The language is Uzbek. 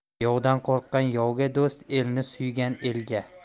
yovdan qo'rqqan yovga do'st elni suygan elga